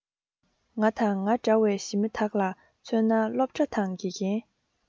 ང དང ང འདྲ བའི ཞི མི དག ལ མཚོན ན སློབ གྲྭ དང དགེ རྒན